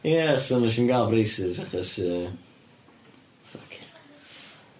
Ie, so nes i'm ga'l braces achos yy... Ffycin 'el.